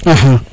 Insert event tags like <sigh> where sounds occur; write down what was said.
<hesitation> <hesitation>